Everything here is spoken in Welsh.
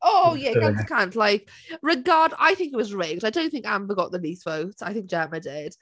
O ie! Cant y cant, like, regard- I think it was rigged. I don't think Amber got the least votes, I think Gemma did.